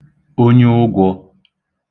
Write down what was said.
onye ụgwọ̄